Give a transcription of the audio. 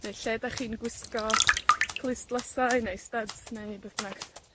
neu lle 'dach chi'n gwisgo clustlysau neu styds neu beth bynnag.